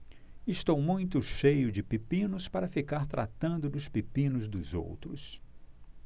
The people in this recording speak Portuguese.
estou muito cheio de pepinos para ficar tratando dos pepinos dos outros